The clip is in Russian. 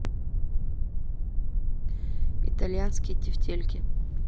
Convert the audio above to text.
итальянские тефтельки